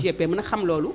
UGPM nag xam loolu